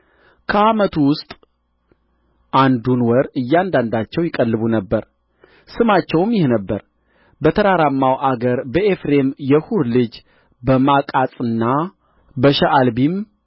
ከዓመቱ ውስጥ አንዱን ወር እያንዳንዳቸው ይቀልቡ ነበር ስማቸውም ይህ ነበረ በተራራማው አገር በኤፍሬም የሑር ልጅ በማቃጽና በሸዓልቢም